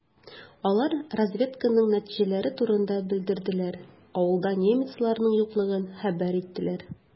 Алар разведканың нәтиҗәләре турында белдерделәр, авылда немецларның юклыгын хәбәр иттеләр.